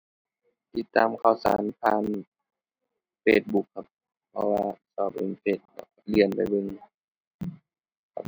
ติดตามข่าวสารผ่าน Facebook ครับ เพราะว่าชอบเล่นเฟซ ก็เลื่อนไปเบิ่งครับ